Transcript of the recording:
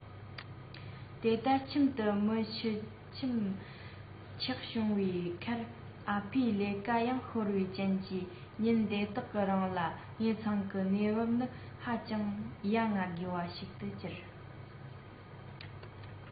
དེ ལྟར ཁྱིམ དུ མི ཤི ཁྱིམ ཆག བྱུང བའི ཁར ཨ ཕའི ལས ཀ ཡང ཤོར བའི རྐྱེན གྱིས ཉིན དེ དག གི རིང ལ ངེད ཚང གི གནས བབས ནི ཧ ཅང ཡ ང དགོས པ ཞིག ཏུ གྱུར